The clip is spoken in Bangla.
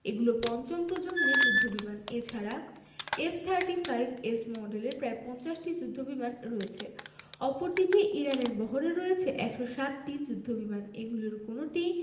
এগুলো পঞ্চম প্রজন্মের যুদ্ধবিমান এ ছাড়া এফ থার্টি ফাইভ এস মডেলের প্রায় ৫০টি যুদ্ধবিমান রয়েছে অপরদিকে ইরানের বহরে রয়েছে ১৬০টি যুদ্ধবিমান এগুলোর কোনোটিই